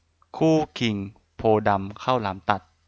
คู่คิงโพธิ์ดำข้าวหลามตัด